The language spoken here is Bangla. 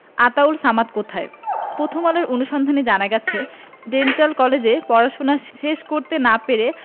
আতাউল সামাদ কোথায় প্রথম আলোর অনুসন্ধানে জানা যায় ডেন্টাল কলেজে পড়াশোনা শেষ করতে না পেরে